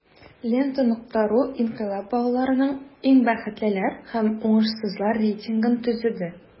"лента.ру" инкыйлаб балаларының иң бәхетлеләр һәм уңышсызлар рейтингын төзеде.